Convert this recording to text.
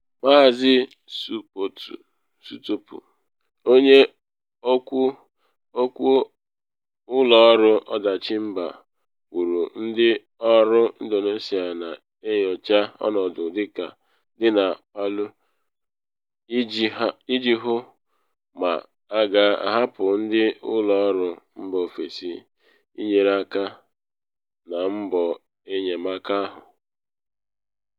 Maazị Sutopo, onye okwu okwu ụlọ ọrụ ọdachi mba, kwuru ndị ọrụ Indonesia na enyocha ọnọdụ dị na Palu iji hụ ma a ga-ahapụ ndị ụlọ ọrụ mba ofesi ịnyere aka na mbọ enyemaka ahụ.